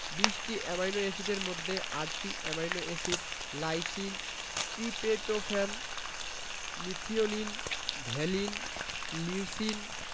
২০টি অ্যামাইনো এসিডের মধ্যে ৮টি amino acid lysine tryptophan methionine valine leucine